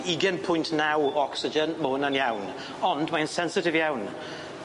Ugen pwynt naw o ocsigen, ma' wnna'n iawn. Ond mae'n sensitif iawn.